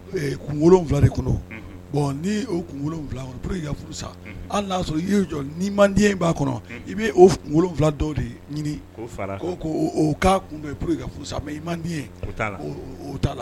De Kunkolo 7 de tun don, ɔnhɔn,, bon ni o kunkolo 7 pour que ka furu sa hali n'a y'a sɔrɔ i ma di n ye b'a kɔnɔ i bɛ o kunkolo 7 dɔw de ɲini k'o fara ani kan, ka kun na poue que ka furu sa mais i man di ye ta la, o o t'a la.